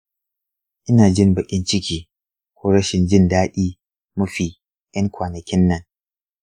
ina jin baƙin ciki ko rashin jin daɗi mafi yan kwanakin nan.